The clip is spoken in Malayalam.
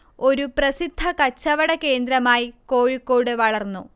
ഒരു പ്രസിദ്ധ കച്ചവട കേന്ദ്രമായി കോഴിക്കോട് വളർന്നു